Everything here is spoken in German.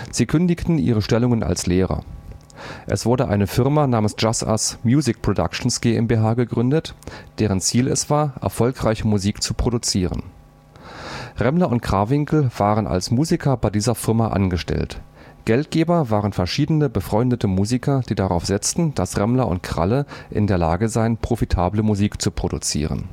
Sie kündigten ihre Stellungen als Lehrer. Es wurde eine Firma namens „ Just Us Music Productions GmbH “gegründet, deren Ziel es war, erfolgreiche Musik zu produzieren. Remmler und Krawinkel waren als Musiker bei dieser Firma angestellt. Geldgeber waren verschiedene befreundete Musiker, die darauf setzten, dass Remmler und Kralle in der Lage seien, profitable Musik zu produzieren